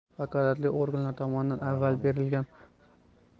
vakolatli organ tomonidan avval berilgan xarajatlari agentlik